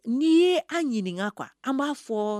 N'i ye an ɲini quoi an b'a fɔ